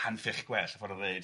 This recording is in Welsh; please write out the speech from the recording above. Hanffych gwell, a ffordd o ddeud.